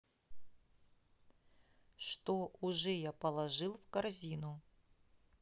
что уже я положил в корзину